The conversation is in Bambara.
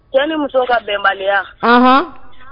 Cɛ ni muso ka bɛnbaliya. Ɔnhɔn?